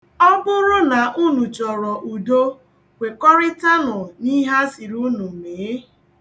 Ọ bụrụ na unu chọrọ udo, kwekọrịtanụ n'ihe asịrị unu mee.